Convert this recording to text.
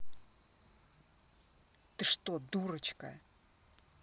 ты что дурочка